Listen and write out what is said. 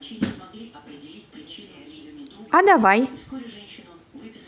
а давай